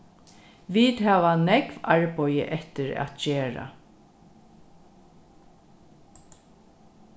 vit hava nógv arbeiði eftir at gera